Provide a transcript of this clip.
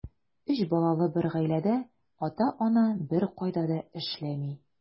Өч балалы бер гаиләдә ата-ана беркайда да эшләми.